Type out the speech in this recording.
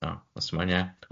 Oh, ie os ti moyn ie